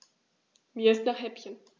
Mir ist nach Häppchen.